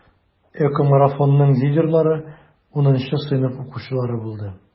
ЭКОмарафонның лидерлары 10 сыйныф укучылары булды.